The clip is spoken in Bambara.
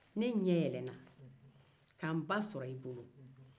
ne ɲɛ yɛlɛnna ka n ba sɔrɔ e bolo